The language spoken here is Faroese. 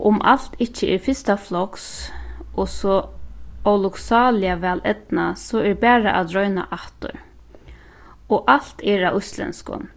og um alt ikki er fyrsta floks og so ólukksáliga væleydnað so er bara at royna aftur og alt er á íslendskum